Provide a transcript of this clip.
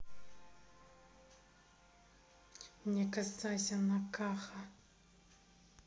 не касайся на каха